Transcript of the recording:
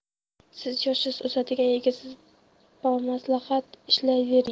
siz yoshsiz o'sadigan yigitsiz bamaslahat ishlayvering